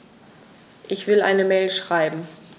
Ich will eine Mail schreiben.